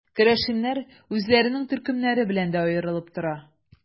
Керәшеннәр үзләренең төркемнәре белән дә аерылып тора.